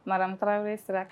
Maramuta wɛrɛ sira